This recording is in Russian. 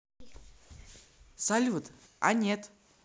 салют а нет